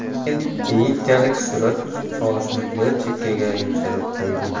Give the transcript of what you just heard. lekin keyinchalik surat solishni bir chekkaga yig'ishtirib qo'ydim